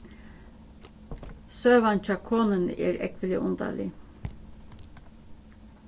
søgan hjá konuni er ógvuliga undarlig